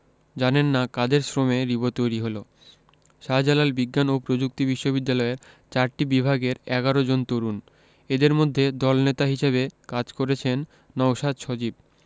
জানেন না কাদের শ্রমে রিবো তৈরি হলো শাহজালাল বিজ্ঞান ও প্রযুক্তি বিশ্ববিদ্যালয়ের চারটি বিভাগের ১১ জন তরুণ এদের মধ্যে দলনেতা হিসেবে কাজ করেছেন নওশাদ সজীব